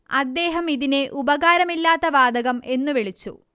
അദ്ദേഹം ഇതിനെ ഉപകാരമില്ലാത്ത വാതകം എന്നു വിളിച്ചു